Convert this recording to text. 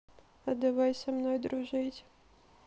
а давай со мной дружить